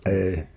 ei